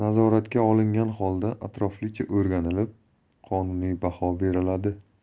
holda atroflicha o'rganilib qonuniy baho beriladi